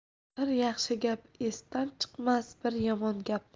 bir yaxshi gap esdan chiqmas bir yomon gap